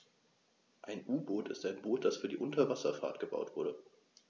Ein U-Boot ist ein Boot, das für die Unterwasserfahrt gebaut wurde.